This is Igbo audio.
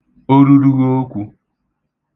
orurughookwū